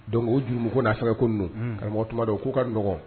Dɔnku o ko n'a sababu ko karamɔgɔ tuma dɔn k'u ka n dɔgɔ